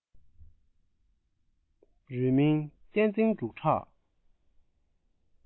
རུས མིང བསྟན འཛིན འབྲུག གྲགས